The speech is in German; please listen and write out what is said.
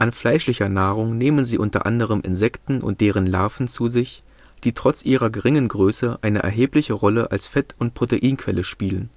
fleischlicher Nahrung nehmen sie unter anderem Insekten und deren Larven zu sich, die trotz ihrer geringen Größe eine erhebliche Rolle als Fett - und Proteinquelle spielen